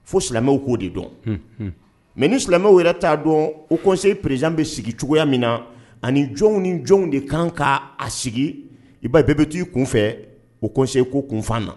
Fo silamɛw k'o de dɔn mɛ ni silamɛw yɛrɛ t'a dɔn ose pererezjan bɛ sigi cogoya min na ani jɔnw ni jɔnw de kan k'a a sigi i ba bɛɛ bɛ taa ii kun fɛ o kɔse ko kunfa na